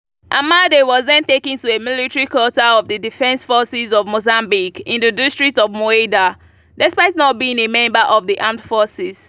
Amade was then taken to a military quarter of the Defense Forces of Mozambique in the district of Mueda, despite not being a member of the armed forces.